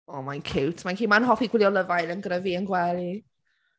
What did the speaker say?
O, mae’n ciwt a mae’n hoffi gwylio Love Island gyda fi yn gwely.